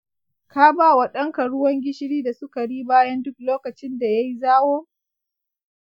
ka ba wa ɗanka ruwan gishiri da sukari bayan duk lokacin da ya yi zawo.